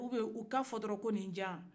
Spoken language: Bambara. u biɲɛ o k'a fɔ dɔrɔn ko nin diyan